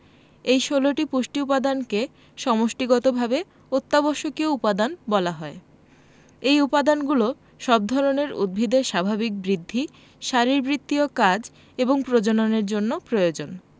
এ ১৬টি পুষ্টি উপাদানকে সমষ্টিগতভাবে অত্যাবশ্যকীয় উপাদান বলা হয় এই উপাদানগুলো সব ধরনের উদ্ভিদের স্বাভাবিক বৃদ্ধি শারীরবৃত্তীয় কাজ এবং প্রজননের জন্য প্রয়োজন